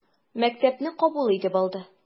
Мәктәпне кабул итеп алды.